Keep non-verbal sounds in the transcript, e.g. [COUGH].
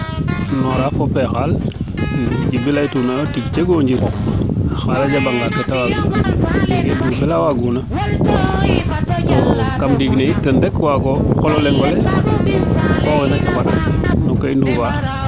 an noora fopo xaal ne Djiby ley tuuna tig jegu o njiriñ oxay xaaga [UNINTELLIGIBLE] kam ndiing ne yit ten rek waago o qolo leŋole xoox mbaat no ke i nduufa